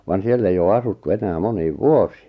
vaan siellä ei ole asuttu enää moniin vuosiin